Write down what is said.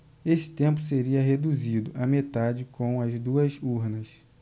esse tempo seria reduzido à metade com as duas urnas